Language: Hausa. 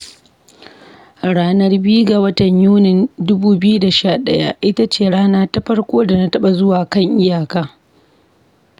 Ranar 2 ga watan Yunin 2011 ita ce rana ta farko da na taɓa zuwa kan iyaka.